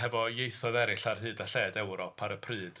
Hefo ieithoedd eraill ar hyd a lled Ewrop ar y pryd?